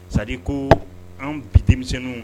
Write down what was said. Sadi ko an bi denmisɛnninw.